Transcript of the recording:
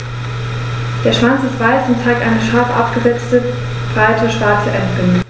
Der Schwanz ist weiß und zeigt eine scharf abgesetzte, breite schwarze Endbinde.